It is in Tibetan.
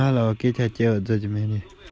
ང ཚོའི བློར ཤོང ཐབས བྲལ བ ཞིག རེད